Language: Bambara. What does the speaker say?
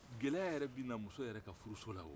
gɛlɛya yɛrɛ bɛna muso yɛrɛ ka furu la